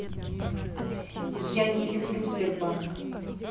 я не люблю сбербанк